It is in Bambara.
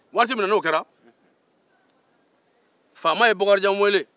waati min na o kɛra faama ye bokarijan weele